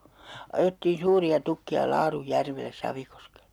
ajettiin suuria tukkeja Laarunjärvelle Savikoskelle